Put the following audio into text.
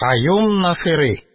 Каюм Насыйри